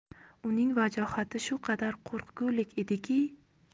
uning vajohati shu qadar qo'rqgulik ediki